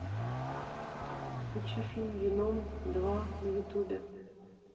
включи фильм веном два на ютубе